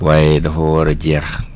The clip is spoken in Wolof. waaye dafa war a jeex